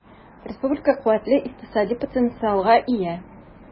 Республика куәтле икътисади потенциалга ия.